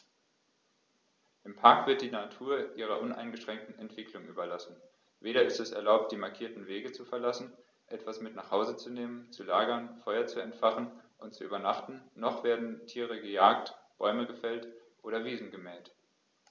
Im Park wird die Natur ihrer uneingeschränkten Entwicklung überlassen; weder ist es erlaubt, die markierten Wege zu verlassen, etwas mit nach Hause zu nehmen, zu lagern, Feuer zu entfachen und zu übernachten, noch werden Tiere gejagt, Bäume gefällt oder Wiesen gemäht.